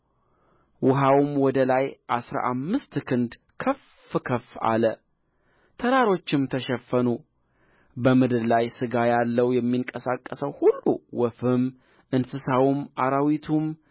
ውኃውም ወደ ላይ አሥራ አምስት ክንድ ከፍ ከፍ አለ ተራሮችም ተሸፈኑ በምድር ላይ ሥጋ ያለው የሚንቀሳቀሰው ሁሉ ወፉም እንስሳውም አራዊቱም